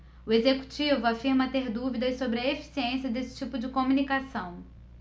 o executivo afirma ter dúvidas sobre a eficiência desse tipo de comunicação